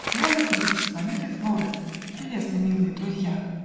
Дианы грудь, ланиты Флоры Прелестны, милые друзья!